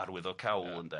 arwyddocaol ynde.